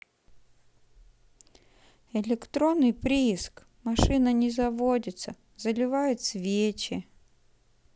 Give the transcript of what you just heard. электронный прииск машина не заводится заливает свечи